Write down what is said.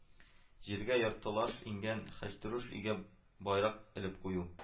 Җиргә яртылаш иңгән хәчтерүш өйгә байрак элеп кую